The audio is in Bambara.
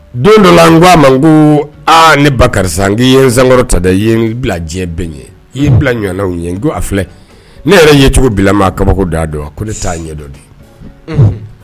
Don dɔ la n ko a ma n koo aaa ne ba karisa n k'i ye n sankɔrɔ ta dɛ n k'i ye n bila diɲɛ bɛ ɲɛ i ye n bila ɲɔɔnaw ɲɛ n ko a filɛ ne yɛrɛ yecogo bilama kabako dan dɔ a ko ne t'a ɲɛdɔ de unhun